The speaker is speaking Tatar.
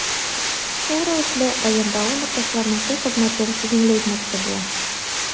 Шул рәвешле районындагы умартачыларның кул хезмәтен җиңеләйтмәкче була.